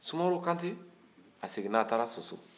sumaworo kante a seginna a taara soso